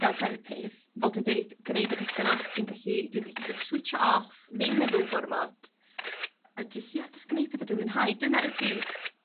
fel therapydd fel dwi'n deud gwneud y petha 'na sy'n gallu dwi'n gallu jys switsio off ddim meddwl gormod, a jys ia jys gneu' petha dwi'n mwynhau dyna ydi